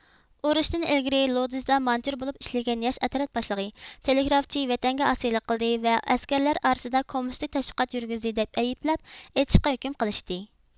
ئۇرۇشتىن ئىلگىرى لودزدا مانتيور بولۇپ ئىشلىگەن ياش ئەترەت باشلىقى تېلېگرافچى ۋەتەنگە ئاسىيلىق قىلدى ۋە ئەسكەرلەر ئارىسىدا كوممۇنىستىك تەشۋىقات يۈرگۈزدى دەپ ئەيىبلەپ ئېتىشقا ھۆكۈم قىلىشتى